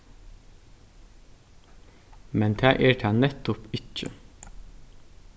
men tað er tað nettupp ikki